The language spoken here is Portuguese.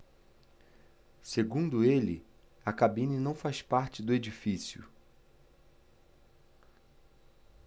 segundo ele a cabine não faz parte do edifício